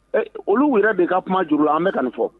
Olu yɛrɛ bɛ ka kuma juru an bɛ ka nin fɔ